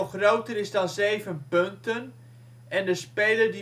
groter is dan zeven punten en de speler